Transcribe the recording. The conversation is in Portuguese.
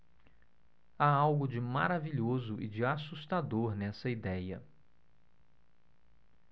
há algo de maravilhoso e de assustador nessa idéia